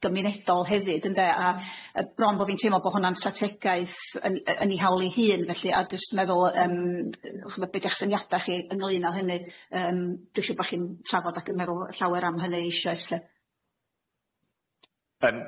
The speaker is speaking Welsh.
gymunedol hefyd ynde a yy bron bo' fi'n teimlo bo' hwnna'n strategaeth yn yy yn ei hawl ei hun felly a jys' meddwl yym yy ch'bo' be' 'di'ch syniada chi ynglŷn â hynny yym dwi 'n siŵr bo' chi'n trafod ac yn meddwl llawer am hynny eisoes lly.